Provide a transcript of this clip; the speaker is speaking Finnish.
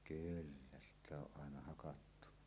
kyllä sitä on - aina hakattu